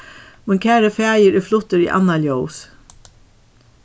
mín kæri faðir er fluttur í annað ljós